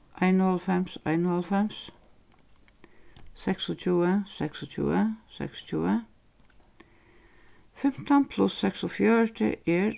einoghálvfems einoghálvfems seksogtjúgu seksogtjúgu seksogtjúgu fimtan pluss seksogfjøruti er